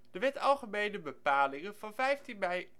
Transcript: De Wet algemeene bepalingen van 15 mei 1829